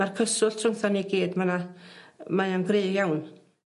Ma'r cyswllt rhwngtho ni gyd ma' 'na mae o'n gryf iawn.